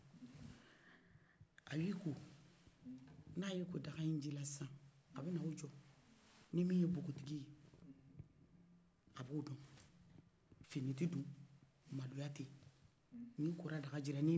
a bi ko na i ko daga in ji la sisan a bɛ na jo ni mi ye bɔgɔtigi ye a b'o don finni ti do maloya teyi n'in koro daga in jila